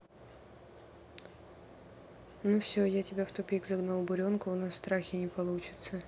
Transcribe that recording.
ну все я тебя в тупик загнал буренка у нас в страхе не получится